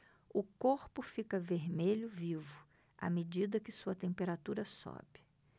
o corpo fica vermelho vivo à medida que sua temperatura sobe